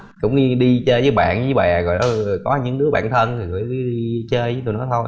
cũng đi đi chơi với bạn với bè gọi đó có những đứa bạn thân đi chơi với tụi nó thôi